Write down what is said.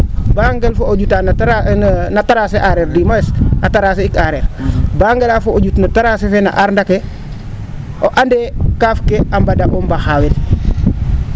ba nqel fo ?utaa no tracer aareer du moins a tracer ik aareer ba nqela fo ?ut no tracer ke na aarnda ke o andee o andee kaaf ke o mbada o mbaaxawel